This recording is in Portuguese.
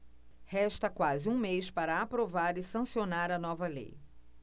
resta quase um mês para aprovar e sancionar a nova lei